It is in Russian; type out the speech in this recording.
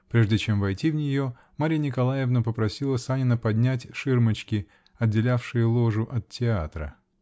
прежде чем войти в нее, Марья Николаевна попросила Санина поднять ширмочки, отделявшие ложу от театра.